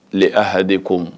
a haden ko ma